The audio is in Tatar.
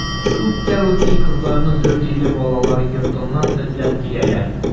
Күп тә үтми кызларны Дүртөйле балалар йортыннан эзләп киләләр.